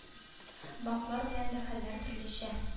Банклар белән дә хәлләр төрлечә